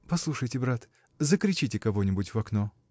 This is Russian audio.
— Послушайте, брат, закричите кого-нибудь в окно.